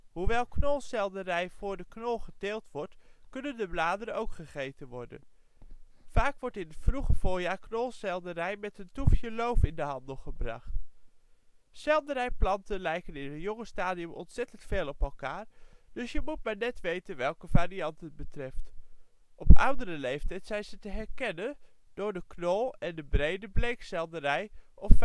Hoewel knolselderij voor de knol geteeld wordt kunnen de bladeren ook gegeten worden. Vaak wordt in het vroege voorjaar knolselderij met een toefje loof in de handel gebracht. Selderij planten lijken in het jonge stadium ontzettend veel op elkaar, dus je moet maar net weten welke variant het betreft. Op oudere leeftijd zijn ze te herkennen door de knol en de brede (bleekselderij) of